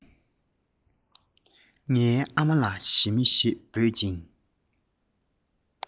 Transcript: ངའི ཨ མ ལ ཞི མ ཞེས འབོད ཅིང